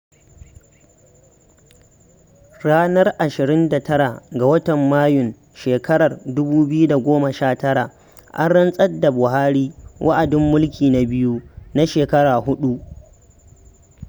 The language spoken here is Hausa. Ranar 29 ga watan Mayun shekarar 2019, an rantsar da Buhari wa'adin mulki na biyu na shekaru huɗu.